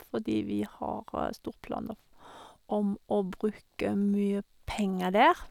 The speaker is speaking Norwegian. Fordi vi har store planer om å bruke mye penger der.